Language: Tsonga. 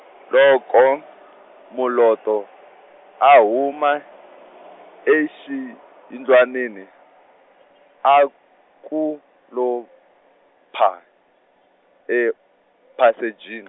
loko, Moloto, a huma, exiyindlwanini a ku, lo, paa, ephasejin-.